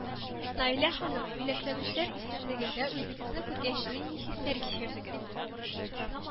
Наилә ханым, бүләкләнүчләр исемлегендә үзегезне күргәч, нинди хисләр кичердегез